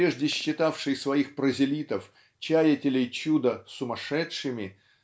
прежде считавший своих прозелитов чаятелей чуда сумасшедшими